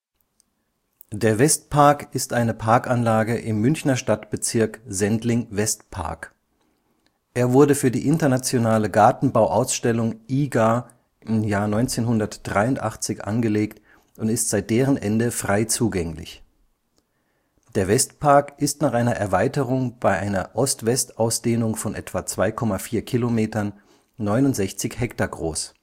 Der Westpark ist eine Parkanlage im Münchner Stadtbezirk Sendling-Westpark. Er wurde für die Internationale Gartenbauausstellung (IGA) 1983 angelegt und ist seit deren Ende frei zugänglich. Der Westpark ist nach einer Erweiterung bei einer Ost-West-Ausdehnung von etwa 2,4 Kilometern 69 Hektar groß